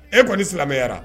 E kɔni silamɛyara.